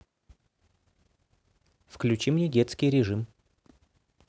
включи мне детский режим